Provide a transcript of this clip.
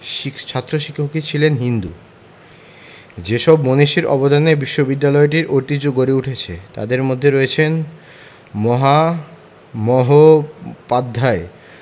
ছাত্র শিক্ষকই ছিলেন হিন্দু যেসব মনীষীর অবদানে বিশ্ববিদ্যালয়টির ঐতিহ্য গড়ে উঠেছে তাঁদের মধ্যে রয়েছেন মহামহোপাধ্যায়